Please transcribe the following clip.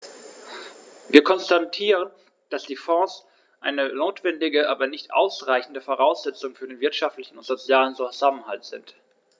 Wir konstatieren, dass die Fonds eine notwendige, aber nicht ausreichende Voraussetzung für den wirtschaftlichen und sozialen Zusammenhalt sind.